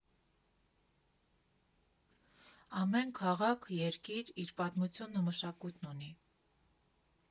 Ամեն քաղաք, երկիր իր պատմությունն ու մշակույթն ունի։